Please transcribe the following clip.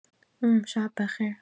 اوم شب‌بخیر.